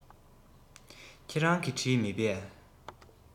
ཁྱེད རང གིས བྲིས མེད པས